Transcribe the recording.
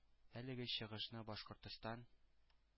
Әлеге чыгышны Башкортостан